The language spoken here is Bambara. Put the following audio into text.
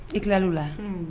I tila' la